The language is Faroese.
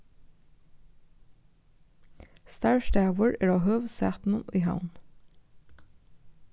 starvsstaður er á høvuðssætinum í havn